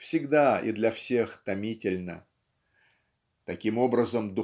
всегда и для всех томительна. Таким образом